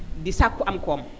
di sakku am koom